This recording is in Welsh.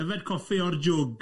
Yfed coffi o'r jwg?